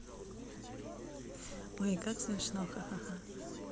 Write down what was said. ой как смешно ха ха ха